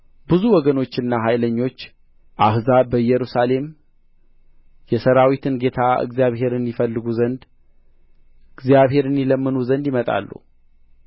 ብዙ ወገኖችና ኃይለኞች አሕዛብ በኢየሩሳሌም የሠራዊትን ጌታ እግዚአብሔርን ይፈልጉ ዘንድ እግዚአብሔርንም ይለምኑ ዘንድ ይመጣሉ